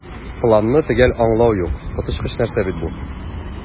"планны төгәл аңлау юк, коточкыч нәрсә бит бу!"